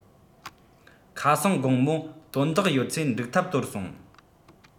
ཁ སང དགོང མོ དོན དག ཡོད ཚད འགྲིག ཐབས དོར སོང